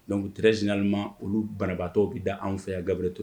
Dɔn ute zinaanima olu banaanabaatɔ bɛ da anw fɛ yan gaɛrɛ to